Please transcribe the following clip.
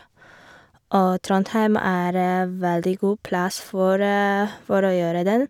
Og Trondheim er veldig god plass for for å gjøre den.